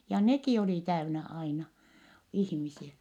ja nekin oli täynnä aina ihmisiä